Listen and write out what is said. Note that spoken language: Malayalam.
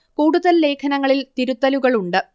കൂടുതൽ ലേഖനങ്ങളിൽ തിരുത്തലുകൾ ഉണ്ട്